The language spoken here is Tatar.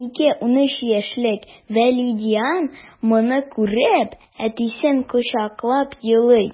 12-13 яшьлек вәлидиан моны күреп, әтисен кочаклап елый...